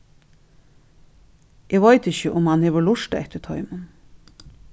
eg veit ikki um hann hevur lurtað eftir teimum